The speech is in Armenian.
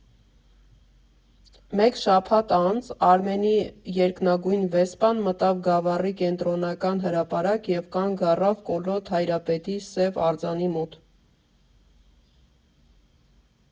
Մեկ շաբաթ անց Արմենի երկնագույն «Վեսպան» մտավ Գավառի կենտրոնական հրապարակ և կանգ առավ Կոլոտ Հայրապետի սև արձանի մոտ։